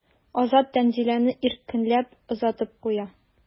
Азат Тәнзиләне иркенләп озатып куя.